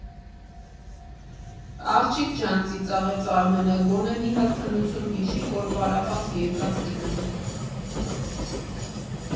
֊ Աղջիկ ջան, ֊ ծիծաղեց Արմենը, ֊ գոնե մի հատ քննություն հիշի, որ պարապած֊եկած լինեմ։